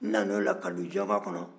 n nan'o la ka don jɔba kɔnɔ